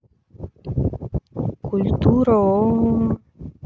культура ооо